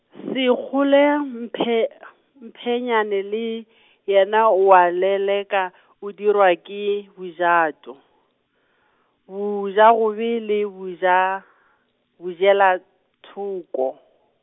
Sekgole Mphe- , Mphonyana le , yena o a leleka , o dirwa ke bojato , bojagobe le bo ja, bojelathoko.